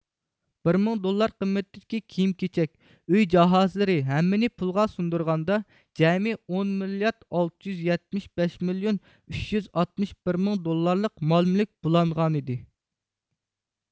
بىر مىڭ دوللار قىممىتىدىكى كىيىم كېچەك ئۆي جاھازلىرى ھەممىنى پۇلغا سۇندۇرغاندا جەمئىي ئون مىليارد ئالتە يۈز يەتمىش بەش مىليون ئۈچ يۈز ئاتمىش بىر مىڭ دوللارلىق مال مۈلۈك بۇلانغانىدى